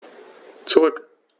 Zurück.